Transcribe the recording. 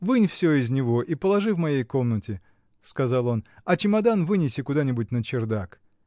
— Вынь всё из него и положи в моей комнате, — сказал он, — а чемодан вынеси куда-нибудь на чердак.